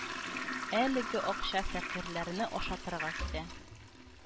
Әлеге акча фәкыйрьләрне ашатырга китә